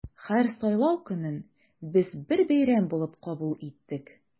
Һәр сайлау көнен без бер бәйрәм булып кабул иттек.